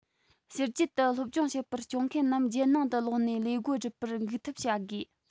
ཕྱི རྒྱལ དུ སློབ སྦྱོང བྱེད པར སྐྱོད མཁན རྣམས རྒྱལ ནང དུ ལོག ནས ལས སྒོ སྒྲུབ པར འགུག ཐབས བྱ དགོས